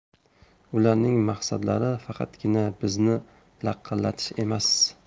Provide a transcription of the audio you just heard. ularning maqsadlari faqatgina bizni laqillatish emas